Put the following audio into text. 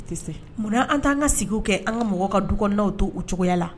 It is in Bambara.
Munna an' an ka sigi kɛ an ka mɔgɔ ka du kɔnɔw to u cogoya la